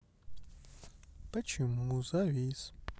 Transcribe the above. почему завис